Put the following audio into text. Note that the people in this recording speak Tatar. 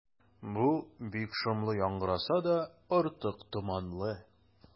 Бу бик шомлы яңгыраса да, артык томанлы.